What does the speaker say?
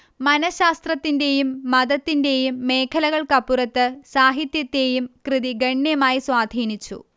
മനഃശാസ്ത്രത്തിന്റേയും മതത്തിന്റേയും മേഖലകൾക്കപ്പുറത്ത് സാഹിത്യത്തേയും കൃതി ഗണ്യമായി സ്വാധീനിച്ചു